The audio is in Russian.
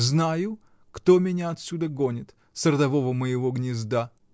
Знаю, кто меня отсюда гонит, с родового моего гнезда.